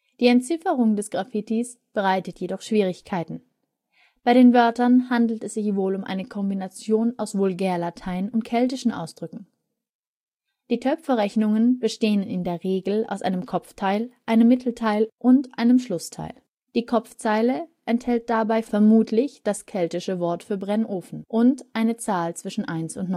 Die Entzifferung des Graffitis bereitet noch Schwierigkeiten. Bei den Wörtern handelt es sich wohl um eine Kombination aus Vulgärlatein und keltischen Ausdrücken. Die Töpferrechnungen bestehen in der Regel aus einem Kopfteil, einem Mittelteil und einem Schlussteil. Die Kopfzeile enthält dabei das Wort τυθος, vermutlich dem keltischen Wort für Brennofen, und einer Zahl zwischen 1 und 9.